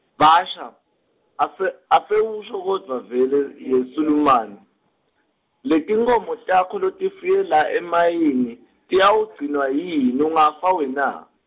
Bhasha, ase- asewusho kodvwa vele yeSulumane, letinkhomo takho lotifuye la emayini, tiyawugcinwa yini ungafa wena?